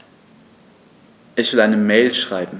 Ich will eine Mail schreiben.